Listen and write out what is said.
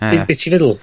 Ie. Ne' be' ti'n feddwl?